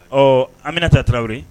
Ɔ Aminata tarawele